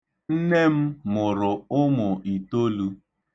Nne m mụrụ ụmụ itolu.